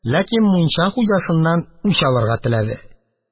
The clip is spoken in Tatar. Ләкин мунча хуҗасыннан үч алырга теләде